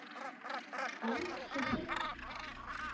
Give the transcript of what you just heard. Аның чәчәк